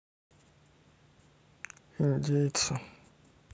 индейцы